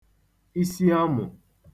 isiamụ̀